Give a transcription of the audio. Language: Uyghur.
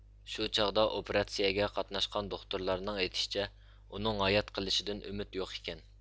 شۇ چاغدا ئوپېراتسىيىگە قاتناشقان دوختۇرلارنىڭ ئېيتىشىچە ئۇنىڭ ھايات قېلىشىدىن ئۈمۈت يوق ئىكەن